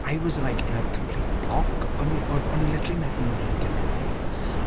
I was like in a complete block. O'n i... o'n i litrally methu wneud unrhyw beth.